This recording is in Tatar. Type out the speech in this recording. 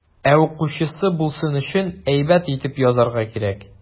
Ә укучы булсын өчен, әйбәт итеп язарга кирәк.